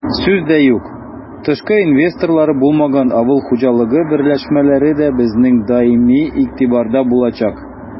Сүз дә юк, тышкы инвесторлары булмаган авыл хуҗалыгы берләшмәләре дә безнең даими игътибарда булачак.